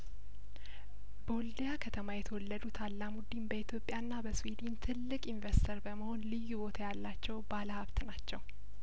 በወልዲያ ከተማ የተወለዱት አላሙዲን በኢትዮጵያ ና በስዊድን ትልቅ ኢንቬስተር በመሆን ልዩ ቦታ ያላቸው ባለሀብት ናቸው